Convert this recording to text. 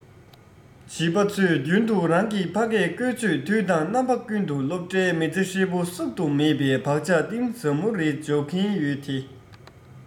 བྱིས པ ཚོས རྒྱུན དུ རང གི ཕ སྐད བཀོལ སྤྱོད དུས དང རྣམ པ ཀུན ཏུ སློབ གྲྭའི མི ཚེ ཧྲིལ པོར བསུབ ཏུ མེད པའི བག ཆགས གཏིང ཟབ མོ རེ འཇོག གིན ཡོད དེ